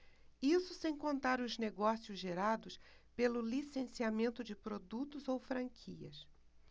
isso sem contar os negócios gerados pelo licenciamento de produtos ou franquias